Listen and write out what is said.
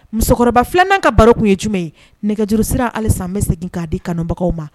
Musokɔrɔba 2 nan ka baro tun ye jumɛn ye nɛgɛjuru sira halisa an be segin k'a di kanubagaw ma